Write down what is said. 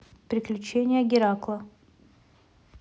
приключения геракла